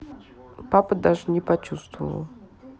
папа даже не почуствовал